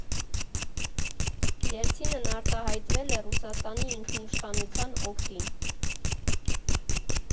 Ելցինն արտահայտվել է Ռուսաստանի ինքնիշխանության օգտին։